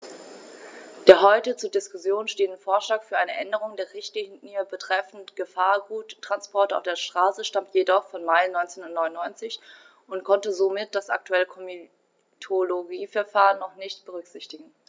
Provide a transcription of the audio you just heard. Der heute zur Diskussion stehende Vorschlag für eine Änderung der Richtlinie betreffend Gefahrguttransporte auf der Straße stammt jedoch vom Mai 1999 und konnte somit das aktuelle Komitologieverfahren noch nicht berücksichtigen.